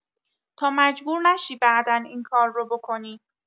تا مجبور نشی بعدا این کار رو بکنی!